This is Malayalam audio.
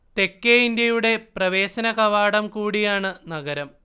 തെക്കേ ഇന്ത്യയുടെ പ്രവേശനകവാടം കൂടിയാണ് നഗരം